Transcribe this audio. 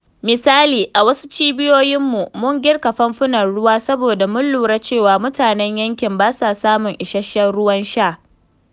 Misali, a wasu cibiyoyinmu, mun girka famfunan ruwa saboda mun lura cewa mutanen yankin ba sa samun isasshen ruwan sha.